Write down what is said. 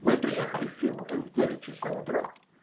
Мы приехали в Фиуме в девять часов утра.